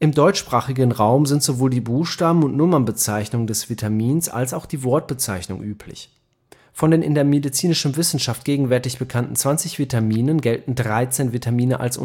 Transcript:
deutschsprachigen Raum sind sowohl die Buchstaben -/ Nummernbezeichnung des Vitamins als auch die Wortbezeichnung üblich. Von den in der medizinischen Wissenschaft gegenwärtig (2004) bekannten 20 Vitaminen gelten 13 Vitamine als